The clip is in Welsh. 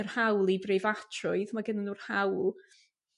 yr hawl i breifatrwydd ma' gynnyn nw'r hawl